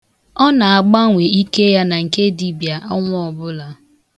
Ọ na-agbanwe ike ya na nke dibịa ọnwa ọbụla.